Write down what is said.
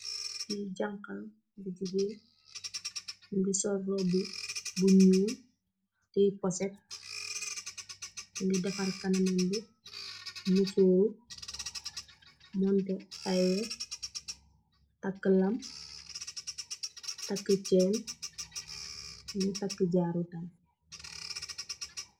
Kii jankah bu gigain, mungy sol robu bu njull, tiyeh porset, mungy defarr kanamam bi, musorr, monteh aiiy weiyy, takue lamm, takue chhene, mungy takue jaaru tam.